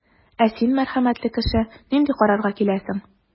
Ә син, мәрхәмәтле кеше, нинди карарга киләсең?